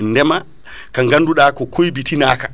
ndeema ko ganduɗa ko koybitinaka